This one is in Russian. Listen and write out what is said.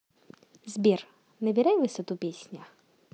сбер набирай высоту песня